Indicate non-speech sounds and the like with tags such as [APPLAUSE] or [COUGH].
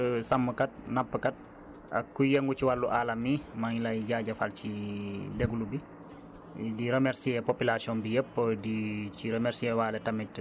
di remercier [HESITATION] waa dëkk bi yëpp bépp képp kuy baykat [HESITATION] sàmmkat nappkat ak kuy yëngu ci wàllu alam yi maa ngi lay jaajëfal ci déglu bi